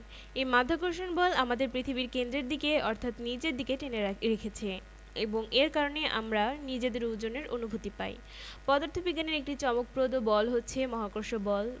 3.2 মৌলিক বলের প্রকৃতিঃ পৃথিবীতে কত ধরনের বল আছে জিজ্ঞেস করা হলে তোমরা নিশ্চয়ই বলবে অনেক ধরনের কোনো কিছুকে যদি ধাক্কা দিই সেটা একটা বল